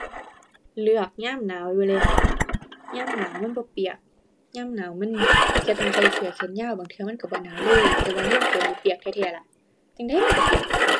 เลือกยามหนาวอยู่แล้ว ยามหนาวมันบ่เปียก ยามหนาวมันแค่ต้องใส่เสื้อแขนยาวบางเทื่อมันก็บ่หนาวเลย แต่ว่ายามฝนนี่เปียกแท้แท้ล่ะ จั่งใดมันก็เปียก